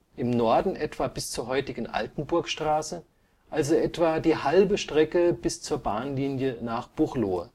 im Norden etwa bis zur heutigen Altenburgstraße, also etwa die halbe Strecke bis zur Bahnlinie nach Buchloe